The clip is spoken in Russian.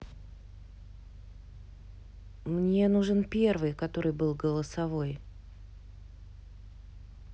мне нужен первый который был голосовой